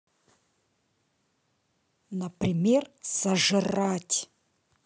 например сожрать